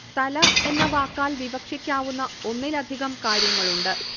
തല എന്ന വാക്കാൽ വിവക്ഷിക്കാവുന്ന ഒന്നിലധികം കാര്യങ്ങളുണ്ട്